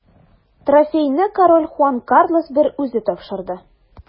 Трофейны король Хуан Карлос I үзе тапшырды.